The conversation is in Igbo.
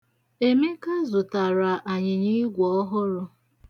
Emeka zụtara anyịnyiigwe ọhụrụ.